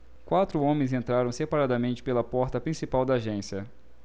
quatro homens entraram separadamente pela porta principal da agência